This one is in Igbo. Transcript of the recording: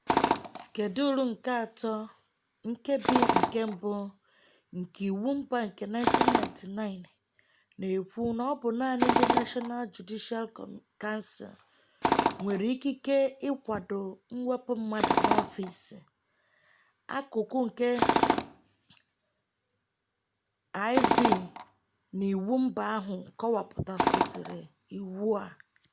Skedụlụ nke Atọ, Nkebi nke 1 nke Iwu Mba nke 1999 na-ekwu na ọ bụ naanị ndị National Judicial Council (NJC) nwere ikike ịkwado mwepụ mmadụ n'ọfiisi. Akụkụ nke IV na Iwu Mba ahụ kọwapụtakwazịrị iwu a.